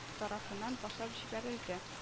Тарафыннан башлап җибәрелде